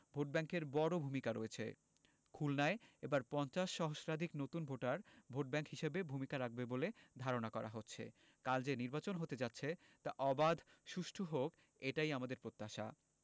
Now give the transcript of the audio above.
ভোটব্যাংকের বড় ভূমিকা রয়েছে খুলনায় এবার ৫০ সহস্রাধিক নতুন ভোটার ভোটব্যাংক হিসেবে ভূমিকা রাখবে বলে ধারণা করা হচ্ছে কাল যে নির্বাচন হতে যাচ্ছে তা অবাধ সুষ্ঠু হোক এটাই আমাদের প্রত্যাশা